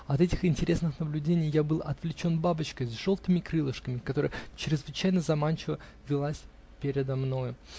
От этих интересных наблюдений я был отвлечен бабочкой с желтыми крылышками, которая чрезвычайно заманчиво вилась передо мною.